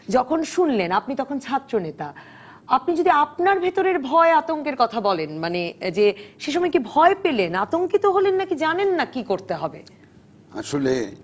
যখন শুনলেন আপনি তখন ছাত্রনেতা আপনি যদি আপনার ভেতরের ভয় আতঙ্কের কথা বলেন সে সময় কি ভয় পেলেন আতঙ্কিত হলেন নাকি জানেন না কি করতে হবে আসলে